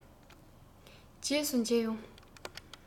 རྗེས སུ མཇལ ཡོང